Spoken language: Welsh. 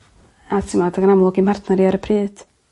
A t'mod odd hi'n amlwg i mhartner i ar y pryd.